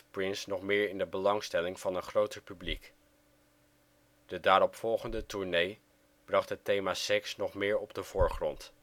Prince nog meer in de belangstelling van een groter publiek. De daaropvolgende tournee bracht het thema seks nog meer op de voorgrond